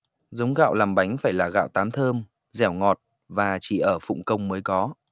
giống gạo làm bánh phải là gạo tám thơm dẻo ngọt và chỉ ở phụng công mới có